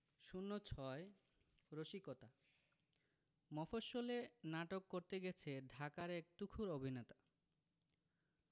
০৬ রসিকতা মফশ্বলে নাটক করতে গেছে ঢাকার এক তুখোর অভিনেতা